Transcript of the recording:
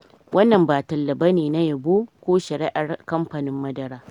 wannan ba talla bane na yabo ko shari’ar kamfanin madara.”